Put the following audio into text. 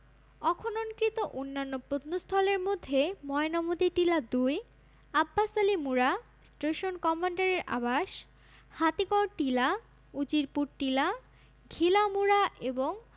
অখননকৃত অন্যান্য প্রত্নস্থলের মধ্যে ময়নামতি টিলা ২ আব্বাস আলী মুড়া স্টেশন কমান্ডারের আবাস হাতিগড় টিলা উজিরপুর টিলা ঘিলা মুড়া এবং